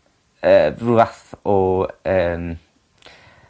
yy rywfath o yym